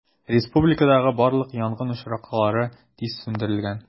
Республикадагы барлык янгын очраклары тиз сүндерелгән.